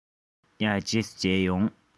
རྗེས སུ མཇལ ཡོང